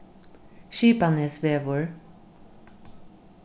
skipanesvegur